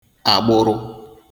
àgbụrụ